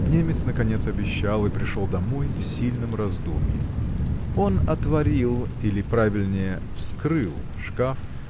Немец наконец обещал и пришел домой в сильном раздумье. Он отворил или правильнее вскрыл шкаф